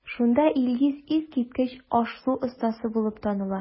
Шунда Илгиз искиткеч аш-су остасы булып таныла.